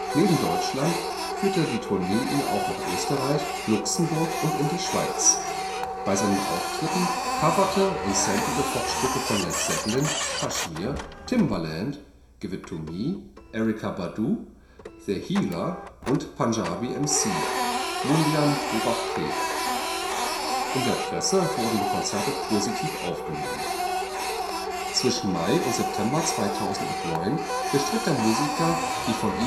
Neben Deutschland führte die Tournee ihn auch nach Österreich, Luxemburg und in die Schweiz. Bei seinen Auftritten coverte und samplete Fox Stücke von Led Zeppelin (Kashmir), Timbaland (Give It to Me), Erykah Badu (The Healer) und Panjabi MC (Mundian to bach ke). In der Presse wurden die Konzerte positiv aufgenommen. Zwischen Mai und September 2009 bestritt der Musiker die von